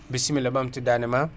bissimila ma ɓamtu dande ma